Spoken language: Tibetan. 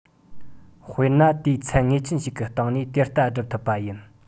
དཔེར ན དེས ཚད ངེས ཅན ཞིག གི སྟེང ནས དེ ལྟ བསྒྲུབ ཐུབ པ ཡིན